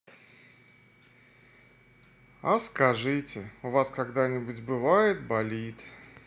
а скажите у вас когда нибудь бывает болит